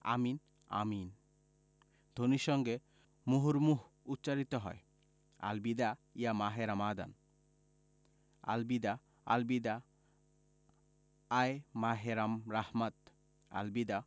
আমিন আমিন ধ্বনির সঙ্গে মুহুর্মুহু উচ্চারিত হয় আল বিদা ইয়া মাহে রমাদান আল বিদা আল বিদা আয় মাহে রহমাত আল বিদা